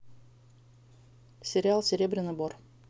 сериал серебряный бор